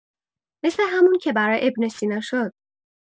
مثه همون که برا ابن‌سینا شد!